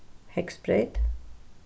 heygsbreyt